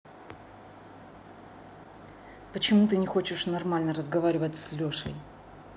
почему ты не хочешь нормально разговаривать с лешей